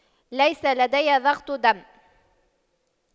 ليس لدي ضغط دم